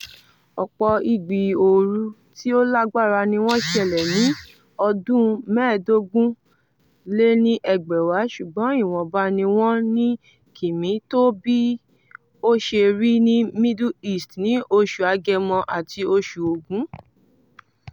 Ọ̀pọ̀ ìgbì ooru tí ó lágbára ni wọ́n ṣẹlẹ̀ ní ọdún 2015, ṣùgbọ́n ìwọ̀nba ni wọ́n ní kìmí tó bí ó ṣe rí ní Middle East ní oṣù Agẹmọ ati oṣù Ògún.